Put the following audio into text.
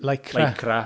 Lycra... Lycra.